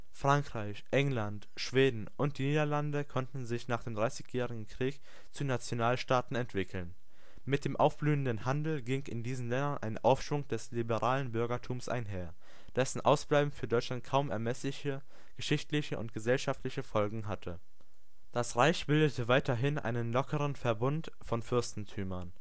Frankreich, England, Schweden und die Niederlande konnten sich nach dem Dreißigjährigen Krieg zu Nationalstaaten entwickeln. Mit dem aufblühenden Handel ging in diesen Ländern ein Aufschwung des liberalen Bürgertums einher, dessen Ausbleiben für Deutschland kaum ermessliche geschichtliche und gesellschaftliche Folgen hatte. Das Reich bildete weiterhin einen lockeren Verbund von Fürstentümern